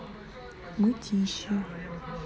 мытищи